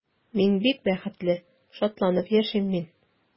Мин бик бәхетле, шатланып яшим мин.